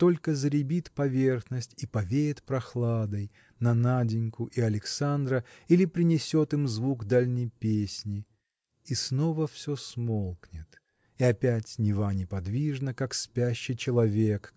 а только зарябит поверхность и повеет прохладой на Наденьку и Александра или принесет им звук дальней песни – и снова все смолкнет и опять Нева неподвижна как спящий человек